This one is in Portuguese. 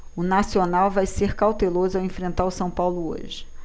o nacional vai ser cauteloso ao enfrentar o são paulo hoje